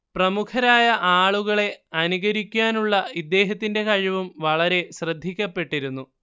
പ്രമുഖരായ ആളുകളെ അനുകരിക്കാനുള്ള ഇദ്ദേഹത്തിന്റെ കഴിവും വളരെ ശ്രദ്ധിക്കപ്പെട്ടിരുന്നു